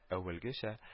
Әүвәлгечә